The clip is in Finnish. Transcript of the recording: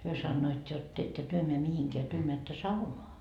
he sanoivat jotta ette te mene mihinkään te menette saunaan